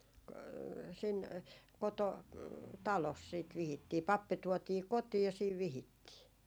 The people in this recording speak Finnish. - sinne - kototalossa sitten vihittiin pappi tuotiin kotiin ja siinä vihittiin